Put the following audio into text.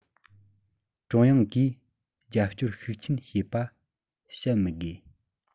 ཀྲུང དབྱང གིས རྒྱབ སྐྱོར ཤུགས ཆེན བྱེད པ བཤད མི དགོས